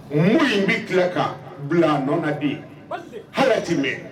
Mo in bɛ tila ka bila a nɔ ka bi hɛrɛti bɛ